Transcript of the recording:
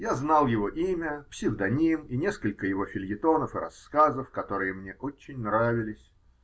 Я знал его имя, псевдоним и несколько его фельетонов и рассказов, которые мне очень нравились.